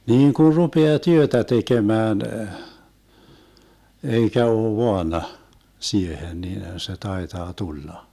niin kun rupeaa työtä tekemään eikä ole vaana siihen niinhän se taitaa tulla